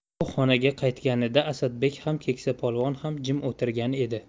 u xonaga qaytganida asadbek ham kesakpolvon ham jim o'tirgan edi